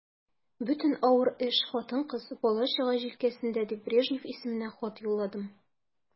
Бөтен авыр эш хатын-кыз, бала-чага җилкәсендә дип, Брежнев исеменә хат юлладым.